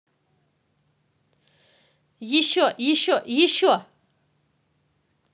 еще еще еще